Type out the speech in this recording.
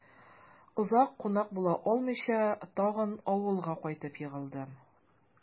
Озак кунак була алмыйча, тагын авылга кайтып егылдым...